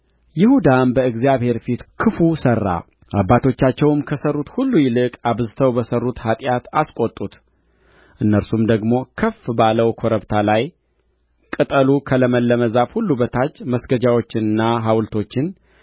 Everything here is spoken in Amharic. ይሁዳም በእግዚአብሔር ፊት ክፉ ሠራ አባቶቻቸውም ከሠሩት ሁሉ ይልቅ አብዝተው በሠሩት ኃጢአት አስቈጡት እነርሱም ደግሞ ከፍ ባለው ኮረብታ ሁሉ ላይ ቅጠሉ ከለመለመ ዛፍ ሁሉ በታች መስገጃዎችንና ሐውልቶችን